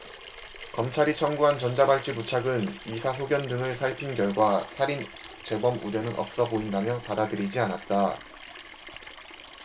검찰이 청구한 전자발찌 부착은 의사 소견 등을 살핀 결과 살인 재범 우려는 없어 보인다며 받아들이지 않았다